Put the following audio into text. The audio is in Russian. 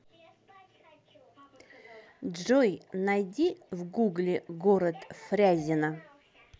джой найди в google город фрязино